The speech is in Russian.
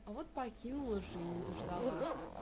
" А вот покинула же и не дождалась.